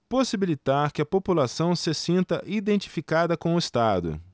possibilitar que a população se sinta identificada com o estado